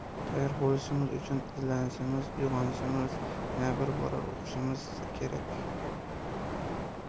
tayyor bo'lishimiz uchun izlanishimiz uyg'onishimiz yana bir bora o'qishimiz kerak